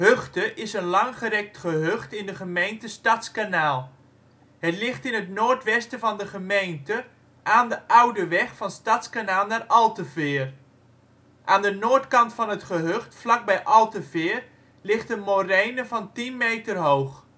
Höchte is een langgerekt gehucht in de gemeente Stadskanaal. Het ligt in het noordwesten van de gemeente, aan de oude weg van Stadskanaal naar Alteveer. Aan de noordkant van het gehucht, vlak bij Alteveer ligt een morene van 10 meter hoog